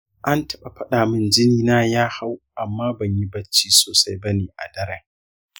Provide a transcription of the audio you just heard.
an taɓa fadamin jini na ya hau amma ban yi bacci sosai bane a daren.